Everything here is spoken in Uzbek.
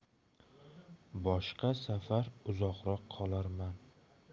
boshqa safar uzoqroq qolarman